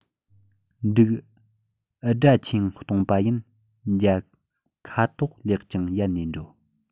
འབྲུག འུར སྒྲ ཆེ ཡང སྟོང པ ཡིན འཇའ ཁ དོག ལེགས ཀྱང ཡལ ནས འགྲོ